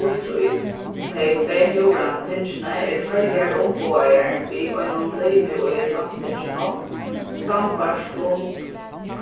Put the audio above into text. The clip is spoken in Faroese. býttur í tey tvey núverandi tingini eru føroyar umboðaðar við einum limi í landstinginum sambært